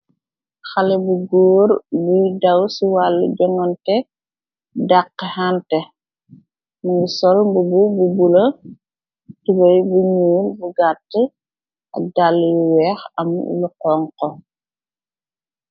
Haley bu goor mungi daw ci walu jogantè dahantè, mungi sol mbubu bulo, tubeye bu ñuul bu gatt ak daal yu weeh am lu honku.